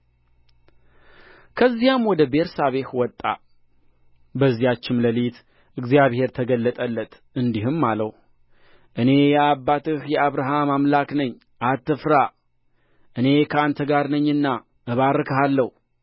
ከዚያም ወደ ቤርሳቤህ ወጣ በዚያችም ሌሊት እግዚአብሔር ተገለጠለት እንዲህም አለው እኔ የአባትህ የአብርሃም አምላክ ነኝ አትፍራ እኔ ከአንተ ጋር ነኝና እባርክሃለሁ